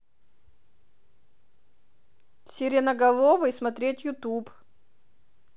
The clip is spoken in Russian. сиреноголовый смотреть ютуб